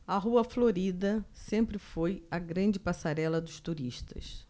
a rua florida sempre foi a grande passarela dos turistas